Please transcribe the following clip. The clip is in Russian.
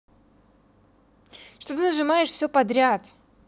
что ты нажимает все подряд